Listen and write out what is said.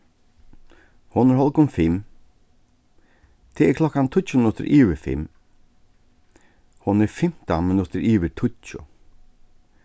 hon er hálvgum fimm tað er klokkan tíggju minuttir yvir fimm hon er fimtan minuttir yvir tíggju